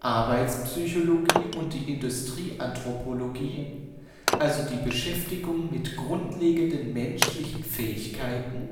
Arbeitsphysiologie, Industrieanthropologie: Beschäftigung mit grundlegenden menschlichen Fähigkeiten